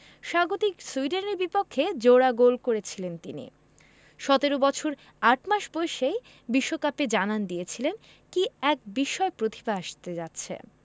স্বাগতিক সুইডেনের বিপক্ষে জোড়া গোল করেছিলেন তিনি ১৭ বছর ৮ মাস বয়সে বিশ্বকাপে জানান দিয়েছিলেন কী এক বিস্ময় প্রতিভা আসতে যাচ্ছে